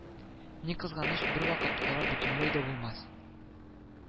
Ни кызганыч, бервакыт алар бөтенләй дә булмас